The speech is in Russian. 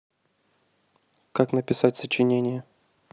как написать сочинение